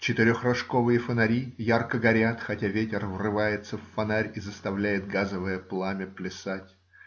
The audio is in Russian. Четырехрожковые фонари ярко горят, хотя ветер врывается в фонарь и заставляет газовое пламя плясать.